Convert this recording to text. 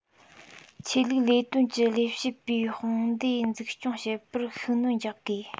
ཆོས ལུགས ལས དོན གྱི ལས བྱེད པའི དཔུང སྡེ འཛུགས སྐྱོང བྱེད པར ཤུགས སྣོན རྒྱག དགོས